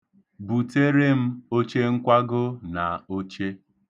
Butere m ochenkwago na oche.